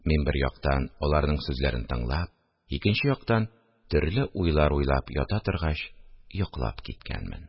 Мин, бер яктан, аларның сүзләрен тыңлап, икенче яктан, төрле уйлар уйлап ята торгач йоклап киткәнмен